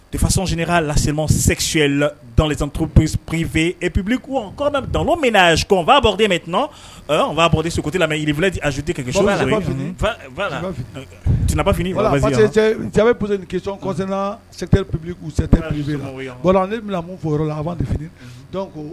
Defasɔnsene k'a lasesi sɛyɛla dɔnkilifɛ pp minɔn'a mɔ seguti la mɛrifi asite tbap la fini